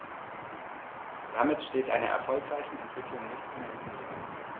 Damit steht einer erfolgreichen Entwicklung nichts mehr im Wege.